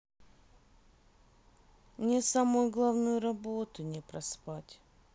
мне самую главную работу не проспать